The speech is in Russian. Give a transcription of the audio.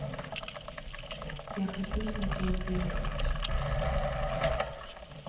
я хочу синтопию